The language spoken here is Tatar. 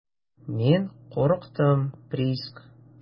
Мин курыктым, Приск.